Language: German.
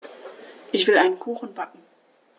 Ich will einen Kuchen backen.